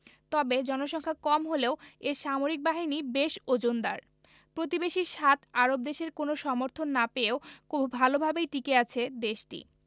তবে জনসংখ্যা কম হলেও এর সামরিক বাহিনী বেশ ওজনদার প্রতিবেশী সাত আরব দেশের কোনো সমর্থন না পেয়েও ভালোভাবেই টিকে আছে দেশটি